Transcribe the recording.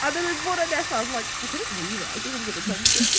A wedyn y bore nesaf I'm like "I didn't mean it, I just wanted attention".